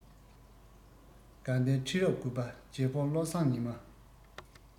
དགའ ལྡན ཁྲི རབས དགུ བ རྗེ དཔོན བློ བཟང ཉི མ